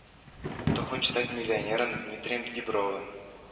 Кто хочет стать миллионером с дмитрием дибровым